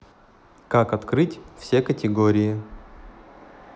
как открыть все категории